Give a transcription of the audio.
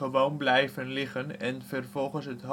blijven liggen en vervolgens het hoofdeinde